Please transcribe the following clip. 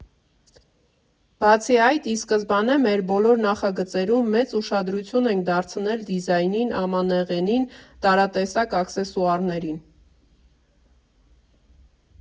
Բացի այդ, ի սկզբանե մեր բոլոր նախագծերում մեծ ուշադրություն ենք դարձրել դիզայնին, ամանեղենին, տարատեսակ աքսեսուարներին։